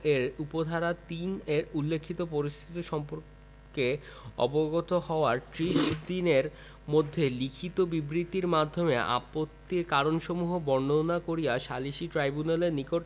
এর উপ ধারা ৩ এ উল্লেখিত পরিস্থিতি সম্পর্কে অবগত হওয়ার ত্রিশ দিনের মধ্যে লিখিত বিবৃতির মাধ্যমে আপত্তির কারণসমূহ বর্ণনা করিয়া সালিসী ট্রইব্যুনালের নিকট